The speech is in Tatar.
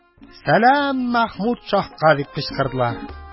Сәлам Мәхмүд шаһка! – дип кычкырдылар.